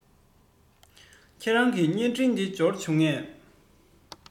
ཁྱེད རང གི བརྙན འཕྲིན དེ འབྱོར བྱུང ངས